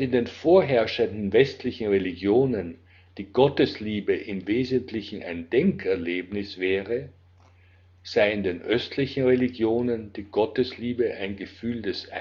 den vorherrschenden westlichen Religionen die Gottesliebe im Wesentlichen ein Denkerlebnis wäre, sei in den östlichen Religionen die Gottesliebe ein Gefühl des Einsseins